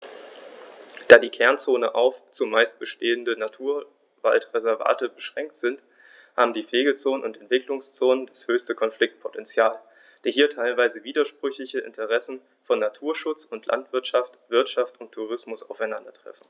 Da die Kernzonen auf – zumeist bestehende – Naturwaldreservate beschränkt sind, haben die Pflegezonen und Entwicklungszonen das höchste Konfliktpotential, da hier die teilweise widersprüchlichen Interessen von Naturschutz und Landwirtschaft, Wirtschaft und Tourismus aufeinandertreffen.